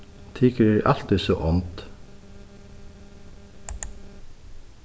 tykur eru altíð so ónd